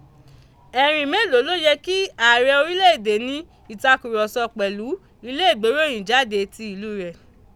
Ẹ̀rìn mélòó ló yẹ kí ààrẹ orílẹ̀ èdè ní ìtakùrọ̀sọ pẹ̀lú ilé ìgbéròyìn jáde tí ìlúu rẹ̀?